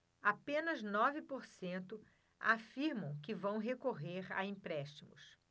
apenas nove por cento afirmam que vão recorrer a empréstimos